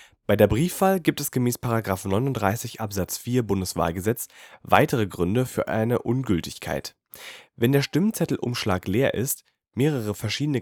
Bei der Briefwahl gibt es gemäß § 39 Abs. 4 BWahlG weitere Gründe für eine Ungültigkeit: Wenn der Stimmzettelumschlag leer ist, mehrere verschieden